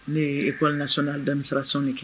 Ne ep na sɔnnana denmisɛnninmira sanuni kɛ